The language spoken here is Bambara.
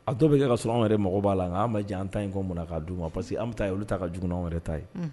A dɔw be kɛ k'a sɔrɔ anw yɛrɛ mɔgɔ b'a la ŋa an' ma diɲ'an tan in kɔ munna k'a d u ma parce que an be taa ye olu ta ka jugu n'anw yɛrɛ ta ye unh